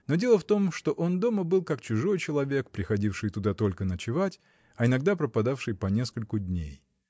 Но дело в том, что он дома был как чужой человек, приходивший туда только ночевать, а иногда пропадавший по нескольку дней.